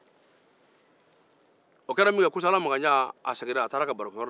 o kɛra min kɛ kosaala makan jan seginna ka taa a ka barokɛyɔrɔ la